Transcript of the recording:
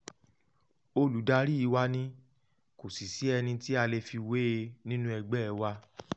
Olùdaríi wa ni, kò sí eni tí a lè fi wé e nínú ẹgbẹ́ẹ wa.